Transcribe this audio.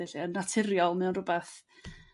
felly. Yn naturiol mae o'n r'wbath